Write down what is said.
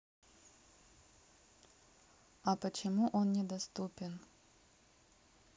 а почему он недоступен